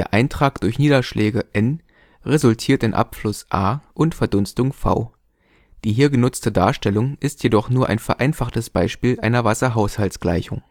Eintrag durch Niederschläge N resultiert in Abfluss A und Verdunstung V. Die hier genutzte Darstellung ist jedoch nur ein vereinfachtes Beispiel einer Wasserhaushaltsgleichung